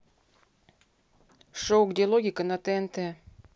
шоу где логика на тнт